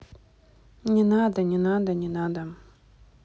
не надо не надо не надо